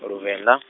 o Luvenḓa.